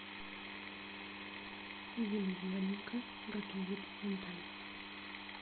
емельяненко готовит минтай